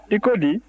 i ko di